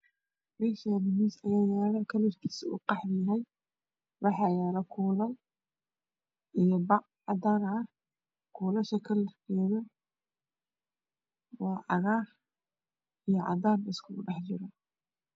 Meshan waxa yalo miis oo qaxwi ah waxa saran bac waa cadan ah oo kula ku jiro kalar waa cagar io cadan